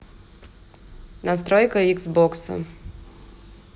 настройки икс бокса